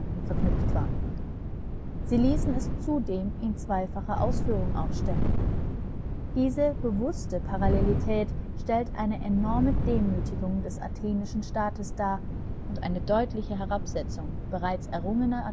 Sie ließen es zudem in zweifacher Ausführung aufstellen. Diese bewusste Parallelität stellt eine enorme Demütigung des athenischen Staates dar und eine deutliche Herabsetzung bereits errungener athenischer Siege über Sparta